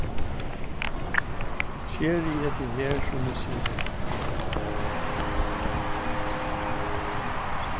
skeri eg teg her so missi eg teg har